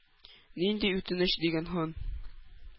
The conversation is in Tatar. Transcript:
— нинди үтенеч?— дигән хан.